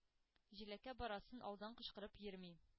Җиләккә барасын алдан кычкырып йөрми: